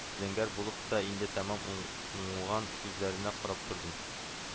Зәңгәр булып та, инде тәмам уңган күзләренә карап тордым